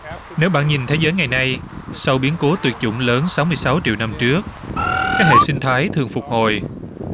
nếu bạn nhìn thế giới ngày nay sau biến cố tuyệt chủng lớn sáu mươi sáu triệu năm trước các hệ sinh thái thường phục hồi